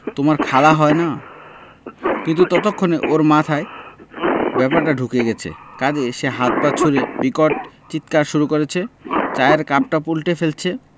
তোমার খালা হয় না কিন্তু ততক্ষণে ওর মাথায় ব্যাপারটা ঢুকে গেছে কাজেই সে হাত পা ছুড়ে বিকট চিৎকার শুরু করেছে চায়ের কাপটাপ উন্টে ফেলছে